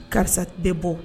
Karisa bɛ bɔ